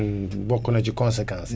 bokk na ci conséquences yi